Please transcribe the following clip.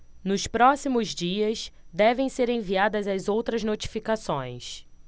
nos próximos dias devem ser enviadas as outras notificações